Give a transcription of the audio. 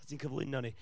'sa ti'n cyflwyno ni.